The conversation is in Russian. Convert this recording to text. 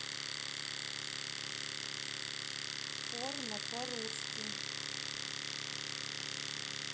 порно по русски